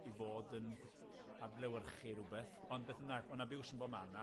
i fod yn adlewyrchu rywbeth, ond beth bynnag, ma' na biws yn bob man a...